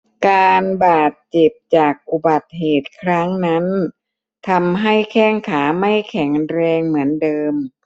การบาดเจ็บจากอุบัติเหตุครั้งนั้นทำให้แข้งขาไม่แข็งแรงเหมือนเดิม